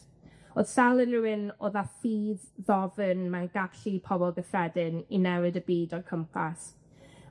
O'dd Sel yn rywun o'dd â ffydd ddofyn mewn gallu pobol gyffredin i newid y byd o'u cwmpas.